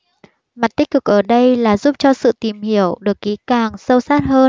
mặt tích cực ở đây là giúp cho sự tìm hiểu được kỹ càng sâu sát hơn